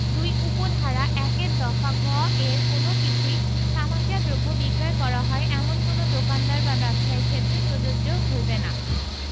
২ উপ ধারা ১ এর দফা ঘ এর কোন কিছুই তামাকজাত দ্রব্য বিক্রয় করা হয় এমন কোন দোকানদার বা ব্যবসায়ীর ক্ষেত্রে প্রযোজ্য হইবে না